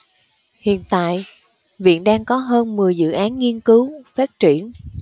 hiện tại viện đang có hơn mười dự án nghiên cứu phát triển